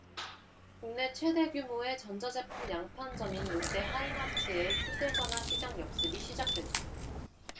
국내 최대 규모의 전자제품 양판점인 롯데하이마트의 휴대전화 시장 역습이 시작됐다